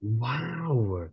Waw.